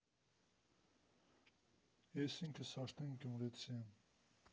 Ես ինքս արդեն գյումրեցի եմ։